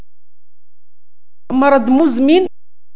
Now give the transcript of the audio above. مرض مزمن